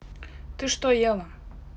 ты что ела